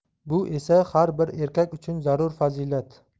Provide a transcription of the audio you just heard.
bu esa har bir erkak uchun zarur fazilat